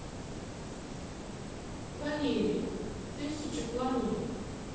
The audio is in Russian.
валерия тысяча планет